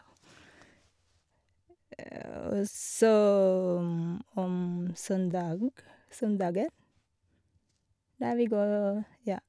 Og så om om søndag søndagen, da vi gå, ja.